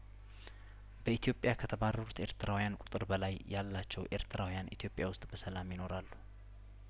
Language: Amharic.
በኢትዮጵያ ከተባረሩት ኤርትራውያን ቁጥር በላይ ያላቸው ኤርትራውያን ኢትዮጵያ ውስጥ በሰላም ይኖራሉ